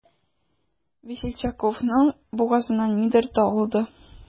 Весельчаковның бугазына нидер тыгылды.